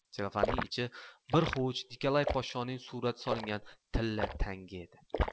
sellofanning ichi bir hovuch nikolay podshoning suvrati solingan tilla tanga edi